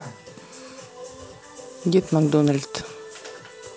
дед макдональд